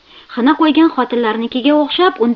xina qo'ygan xotinlarnikiga o'xshab